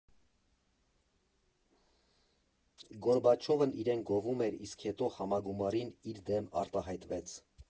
Գորբաչովն իրեն գովում էր, իսկ հետո Համագումարին իր դեմ արտահայտվեց։